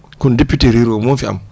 kon député ruraux moo fi am